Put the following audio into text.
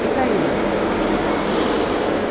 eg fari út